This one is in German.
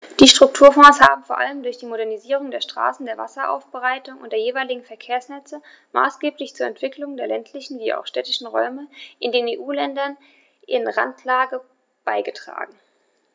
Die Strukturfonds haben vor allem durch die Modernisierung der Straßen, der Wasseraufbereitung und der jeweiligen Verkehrsnetze maßgeblich zur Entwicklung der ländlichen wie auch städtischen Räume in den EU-Ländern in Randlage beigetragen.